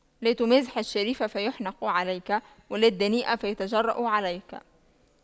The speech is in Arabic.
لا تمازح الشريف فيحنق عليك ولا الدنيء فيتجرأ عليك